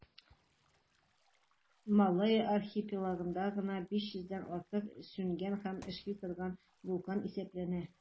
Малайя архипелагында гына да 500 дән артык сүнгән һәм эшли торган вулкан исәпләнә.